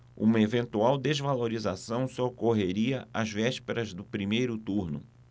uma eventual desvalorização só ocorreria às vésperas do primeiro turno